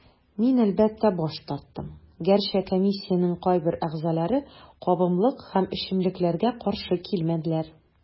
Мин, әлбәттә, баш тарттым, гәрчә комиссиянең кайбер әгъзаләре кабымлык һәм эчемлекләргә каршы килмәделәр.